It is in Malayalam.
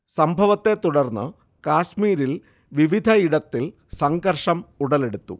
സംഭവത്തെ തുടർന്ന് കാശ്മീരിൽ വിവിധ ഇടത്തിൽ സംഘർഷം ഉടലെടുത്തു